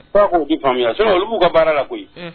Ba kou tɛ faamuya so olu'u ka baara la koyi